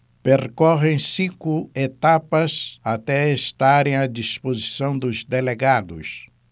percorrem cinco etapas até estarem à disposição dos delegados